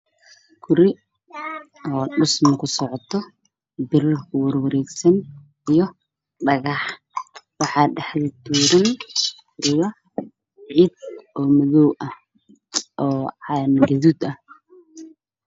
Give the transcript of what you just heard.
Waa guri dhismo ka socda dhulka waxaa yaalo broket waxaa ka dambeeya guri dhisan